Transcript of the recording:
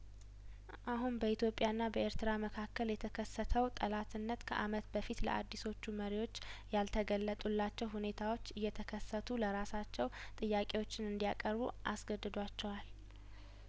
አሁን በኢትዮጵያ ና በኤርትራ መካከል የተከሰተው ጠላትነት ከአመት በፊት ለአዲሶቹ መሪዎች ያልተገለጡላቸው ሁኔታዎች እየተከሰቱ ለራሳቸው ጥያቄዎችን እንዲያቀርቡ አስገድዷቸዋል